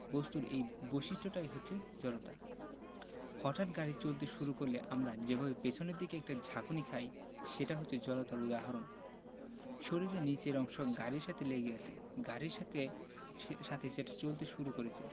বস্তুর এই বৈশিষ্ট্যটাই হচ্ছে জড়তা হঠাৎ গাড়ি চলতে শুরু করলে আমরা যেভাবে পেছনের দিকে একটা ঝাঁকুনি খাই সেটা হচ্ছে জড়তার উদাহরণ শরীরের নিচের অংশ গাড়ির সাথে লেগে আছে গাড়ির সাথে সাথে সেটা চলতে শুরু করেছে